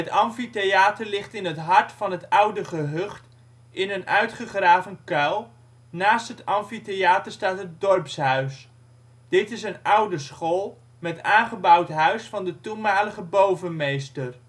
amfitheater ligt in het hart van het oude gehucht, in een uitgegraven kuil. Naast het amfitheater staat het dorpshuis. Dit is een oude school met aangebouwd huis van de toenmalige bovenmeester